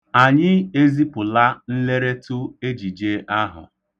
Anyị ezipụla nleretụ ejije ahụ.